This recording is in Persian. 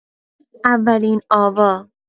اولین آوا